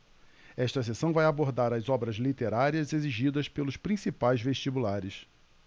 esta seção vai abordar as obras literárias exigidas pelos principais vestibulares